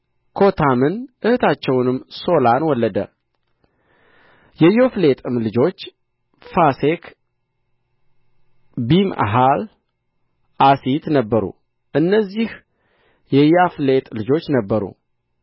ኮታምን እኅታቸውንም ሶላን ወለደ የያፍሌጥም ልጆች ፋሴክ ቢምሃል ዓሲት ነበሩ እነዚህ የያፍሌጥ ልጆች ነበሩ